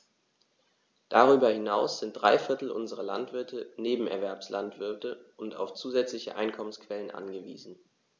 Darüber hinaus sind drei Viertel unserer Landwirte Nebenerwerbslandwirte und auf zusätzliche Einkommensquellen angewiesen.